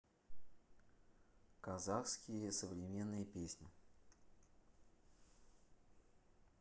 казахские современные песни